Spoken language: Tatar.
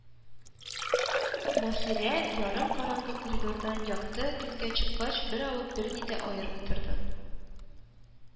Маһирә, ярым караңгы коридордан якты көнгә чыккач, беравык берни дә аермый торды